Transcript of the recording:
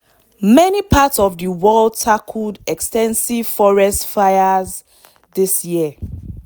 Many parts of the world tackled extensive forest fires this year.